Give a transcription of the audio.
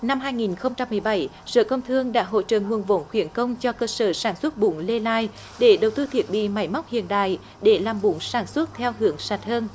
năm hai nghìn không trăm mười bảy sở công thương đã hỗ trợ nguồn vốn khuyến công cho cơ sở sản xuất bún lê lai để đầu tư thiết bị máy móc hiện đại để làm vốn sản xuất theo hướng sạch hơn